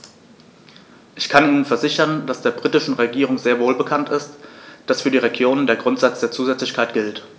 Ich kann Ihnen versichern, dass der britischen Regierung sehr wohl bekannt ist, dass für die Regionen der Grundsatz der Zusätzlichkeit gilt.